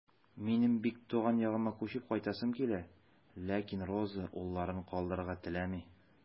Минем бик туган ягыма күчеп кайтасым килә, ләкин Роза улларын калдырырга теләми.